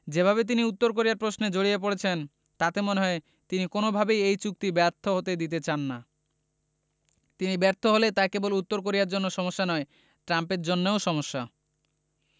যেভাবে তিনি উত্তর কোরিয়া প্রশ্নে জড়িয়ে পড়েছেন তাতে মনে হয় তিনি কোনোভাবেই এই চুক্তি ব্যর্থ হতে দিতে চান না তিনি ব্যর্থ হলে তা কেবল উত্তর কোরিয়ার জন্য সমস্যা নয় ট্রাম্পের জন্যও সমস্যা